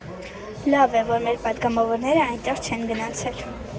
Լավ է, որ մեր պատգամավորներն այնտեղ չեն գնացել։